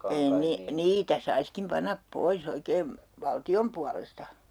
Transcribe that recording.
ei - niitä saisikin panna pois oikein valtion puolesta